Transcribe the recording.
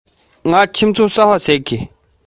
བདག ལྟ བུའི ཞི མི རྣལ འབྱོར བ ཞིག